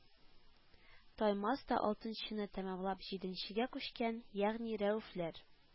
Таймас та алтынчыны тәмамлап җиденчегә күчкән, ягъни Рәүфләр